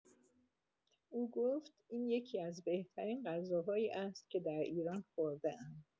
او گفت: این یکی‌از بهترین غذاهایی است که در ایران خورده‌ام!